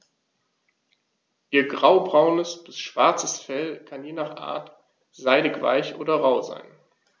Ihr graubraunes bis schwarzes Fell kann je nach Art seidig-weich oder rau sein.